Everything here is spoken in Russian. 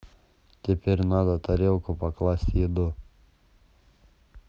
теперь надо тарелку покласть еду